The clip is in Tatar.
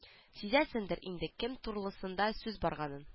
Сизәсендер инде кем турлысында сүз барганын